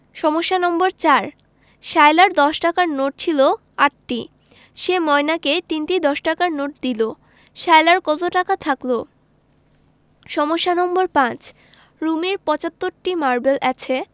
সমস্যা নম্বর ৪ সায়লার দশ টাকার নোট ছিল ৮টি সে ময়নাকে ৩টি দশ টাকার নোট দিল সায়লার কত টাকা থাকল সমস্যা নম্বর ৫ রুমির ৭৫টি মারবেল আছে